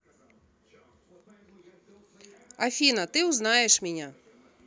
афина ты узнаешь меня